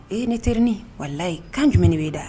E ye ne terinin, walahi, kan jumɛn de b'e da